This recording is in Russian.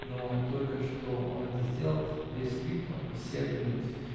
но только что он это сделал, дверь скрипнула, и все оглянулись.